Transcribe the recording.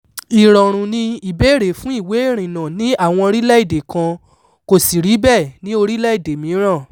Ìrọ̀rùn ni ìbéèrè fún ìwé ìrìnnà ní àwọn orílẹ̀-èdè kan, kò sì rí bẹ́ẹ̀ ní orílẹ̀-èdè mìíràn.